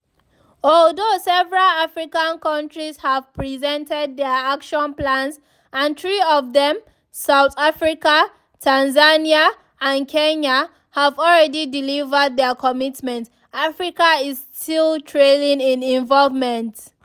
Although several African countries have presented their action plans and three of them — South Africa, Tanzania, and Kenya — have already delivered their commitments, Africa is still trailing in involvement.